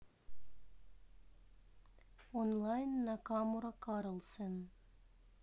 онлайн накамура карлсен